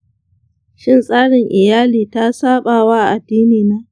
shin tsarin iyali ta saɓa wa addinina?